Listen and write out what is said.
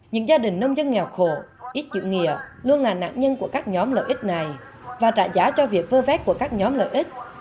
những gia đình nông dân nghèo khổ ít chữ nghĩa luôn là nạn nhân của các nhóm lợi ích này và trả giá cho việc vơ vét của các nhóm lợi ích